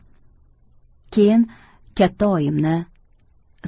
keyin katta oyimni